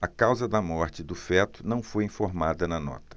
a causa da morte do feto não foi informada na nota